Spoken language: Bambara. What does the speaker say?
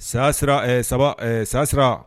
Saya sira 3 do